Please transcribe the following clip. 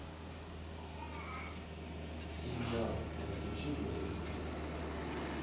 сериал постучи в мою дверь